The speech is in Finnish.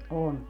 on